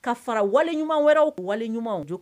Ka fara wale ɲuman wɛrɛ wale ɲumanw jɔ